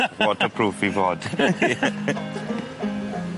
Waterproof i fod.